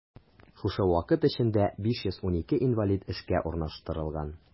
Шушы вакыт эчендә 512 инвалид эшкә урнаштырылган.